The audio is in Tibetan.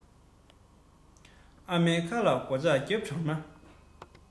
ཨ མའི ཁ ལ སྒོ ལྕགས བརྒྱབ དྲགས ན